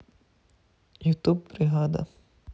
ютуб бригада